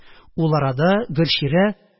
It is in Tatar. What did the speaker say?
Ул арада Гөлчирә